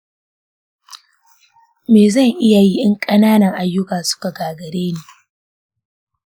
me zan iya yi in ƙananan ayyuka suka gagare ni?